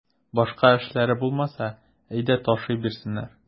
Башка эшләре булмаса, әйдә ташый бирсеннәр.